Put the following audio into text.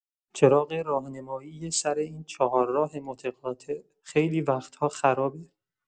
چراغ راهنمایی سر این چهارراه متقاطع خیلی وقتا خرابه.